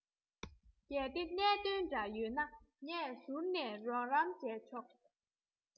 གལ ཏེ གནད དོན འདྲ ཡོད ན ངས ཟུར ནས རོགས རམ བྱས ཆོག